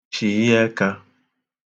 chị̀yị ẹkā